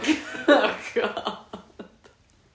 o god